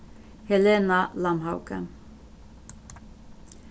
helena lamhauge